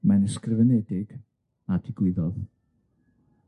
Mae'n ysgrifenedig, a digwyddodd.